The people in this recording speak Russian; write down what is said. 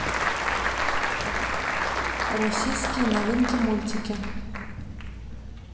российские новинки мультики